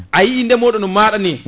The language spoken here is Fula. ayi ndemoɗo no maɗa ni